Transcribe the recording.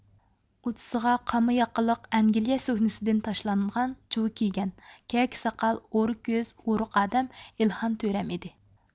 ئۇچىسىغا قاما ياقىلىق ئەنگلىيە سۆكنىسىدىن تاشلانغان جۇۋا كىيگەن كەكە ساقال ئورا كۆز ئورۇق ئادەم ئېلىخان تۆرەم ئىدى